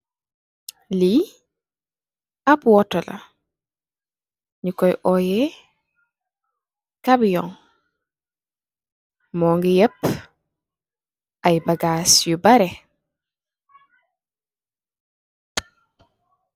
Li ap Otto la, ñi Koy óyeh kapyon mugii ép ay bagaas yi barri.